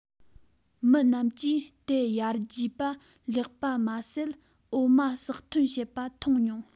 མི རྣམས ཀྱིས དེ ཡར རྒྱས པ ལེགས པ མ ཟད འོ མ ཟགས ཐོན བྱེད པ མཐོང མྱོང